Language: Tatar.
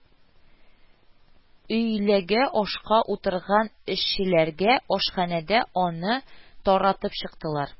Өйләгә ашка утырган эшчеләргә ашханәдә аны таратып чыктылар